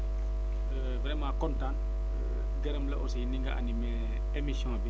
vraiment kontaan gërëm la aussi ni nga animer émission bi